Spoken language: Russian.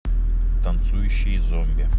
танцующие зомби